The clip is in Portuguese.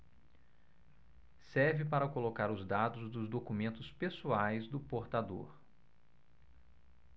serve para colocar os dados dos documentos pessoais do portador